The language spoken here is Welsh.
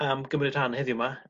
am gymryd rhan heddiw 'ma